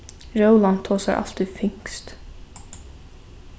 rólant tosar altíð finskt